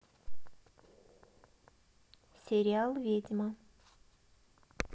сериал ведьма